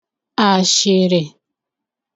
àshị̀rị̀